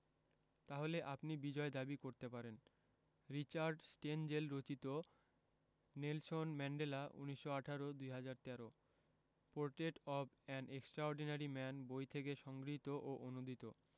তাহলে আপনি বিজয় দাবি করতে পারেন রিচার্ড স্টেনজেল রচিত Nelson Mandela ১৯১৮ ২০১৩ portrait of an extraordinary man বই থেকে সংগৃহীত ও অনূদিত